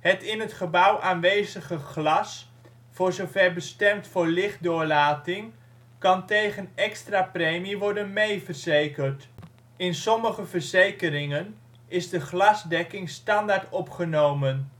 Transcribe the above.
Het in het gebouw aanwezige glas, voor zover bestemd voor lichtdoorlating, kan tegen extra premie worden meeverzekerd. In sommige verzekeringen is de glasdekking standaard opgenomen.